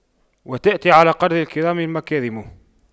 وتأتي على قدر الكرام المكارم